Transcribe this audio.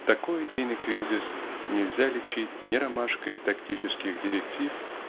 Такой идейный кризис нельзя лечить ни ромашкой тактических директив